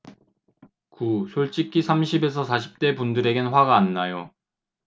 구 솔직히 삼십 에서 사십 대 분들에겐 화가 안 나요